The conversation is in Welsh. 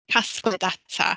Casglu data.